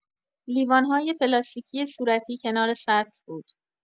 لیوان‌های پلاستیکی صورتی کنار سطل بود.